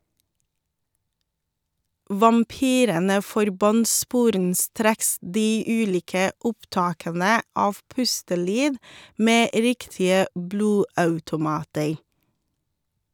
Vampyrene forbant sporenstreks de ulike opptakene av pustelyd med riktige blodautomater.